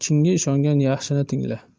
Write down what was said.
chinga ishongan yaxshini tingla